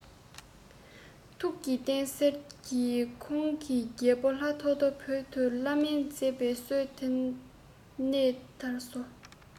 ཐུགས ཀྱི རྟེན གསེར གྱི ཁོང གིས རྒྱལ པོ ལྷ ཐོ ཐོ བོད དུ བླ སྨན འཛུགས པའི སྲོལ དེ ནས དར རོ